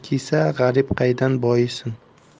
kiysa g'arib qaydan boyisin